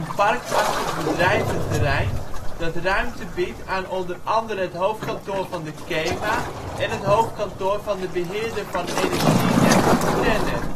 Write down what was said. parkachtig bedrijventerrein dat ruimte biedt aan onder andere het hoofdkantoor van de KEMA en het hoofdkantoor van de beheerder van energienetten TenneT